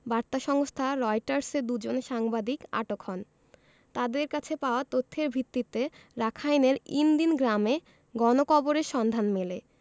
বার্তা সংস্থা রয়টার্সের দুজন সাংবাদিক আটক হন তাঁদের কাছে পাওয়া তথ্যের ভিত্তিতে রাখাইনের ইন দিন গ্রামে গণকবরের সন্ধান মেলে